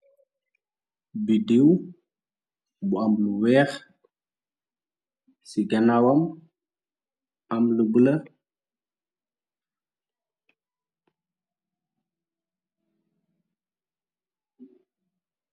Bidiw bu am lu weeh, ci ganawam am lu bul.